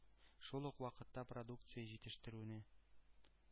Шул ук вакытта продукция җитештерүне,